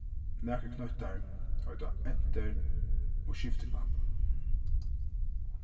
nakrir knøttar eita enter og skiftiknappur